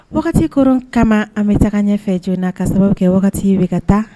Wagati koron kama, an bɛ taga ɲɛfɛ joona, na ka sababu kɛ wagati de bɛ ka taa,